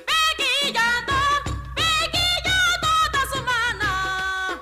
I katan' du tɛ sɛgɛn la